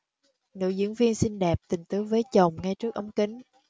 nữ diễn viên xinh đẹp tình tứ với chồng ngay trước ống kính